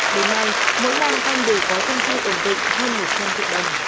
đến nay mỗi năm anh đều có doanh thu ổn định hơn một trăm triệu đồng